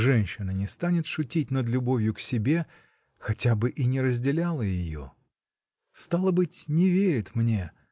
Женщина не станет шутить над любовью к себе, хотя бы и не разделяла ее. Стало быть — не верит мне.